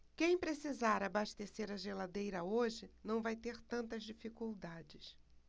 quem precisar abastecer a geladeira hoje não vai ter tantas dificuldades